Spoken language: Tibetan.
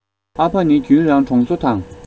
ཨ ཕ ནི རྒྱུན རང གྲོང ཚོ དང